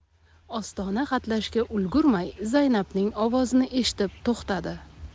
ostona hatlashga ulgurmay zaynabning ovozini eshitib to'xtadi